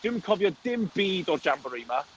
Dwi'm yn cofio dim byd o'r jambori 'ma.